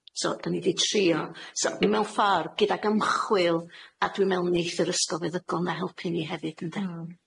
So 'dan ni 'di trio... So mewn ffordd, gydag ymchwil, a dwi me'wl neith yr ysgol feddygol 'na helpu ni hefyd, ynde?... Mm.